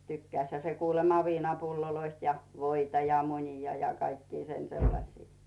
tykkäsihän se kuulemma viinapulloista ja voita ja munia ja kaikkia sen sellaisia